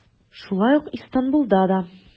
Шулай ук Истанбулда да.